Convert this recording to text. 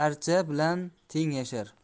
archa bilan teng yashar